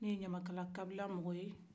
ne ye ɲamakala kabila mɔgɔ ye